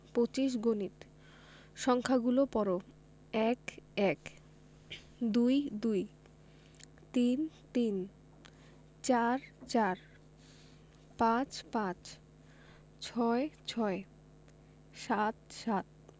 ২৫ গণিত সংখ্যাগুলো পড়ঃ ১ - এক ২ - দুই ৩ - তিন ৪ – চার ৫ – পাঁচ ৬ - ছয় ৭ - সাত